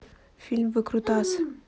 фильм выкрутасы